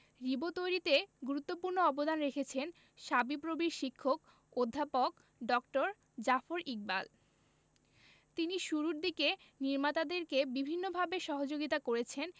রিবো তৈরিতে গুরুত্বপূর্ণ অবদান রেখেছেন শাবিপ্রবির শিক্ষক অধ্যাপক ড জাফর ইকবাল তিনি শুরুর দিকে নির্মাতাদেরকে বিভিন্নভাবে সহযোগিতা করেছেন